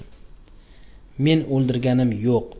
men o'ldirganim yo'q